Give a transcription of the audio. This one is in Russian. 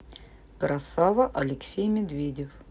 красава алексей медведев